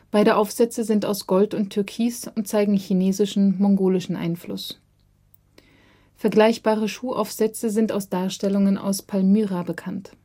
Beide Aufsätze sind aus Gold und Türkis und zeigen chinesischen/mongolischen Einfluss. Vergleichbare Schuhaufsätze sind aus Darstellungen aus Palmyra bekannt